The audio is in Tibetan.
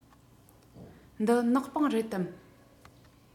འདི ནག པང རེད དམ